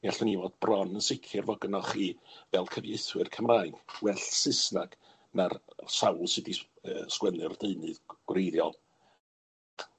mi allwn ni fod bron yn sicir fod gynnoch chi fel cyfieithwyr Cymraeg, well Saesnag na'r sawl sy 'di s- yy sgwennu'r deunydd gwreiddiol.